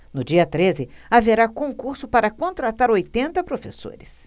no dia treze haverá concurso para contratar oitenta professores